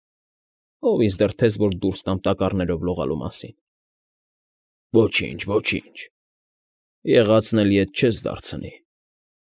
Ո՞վ ինձ դրդեց, որ դուրս տամ տակառներով լողալու մասին։ ֊ Ոչինչ, ոչինչ… Եղածն էլ ետ չես դարձնի։